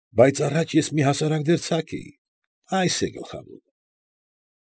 Բայց առաջ ես մի հասարակ դերձակ էի ֊ այս է գլխավորը։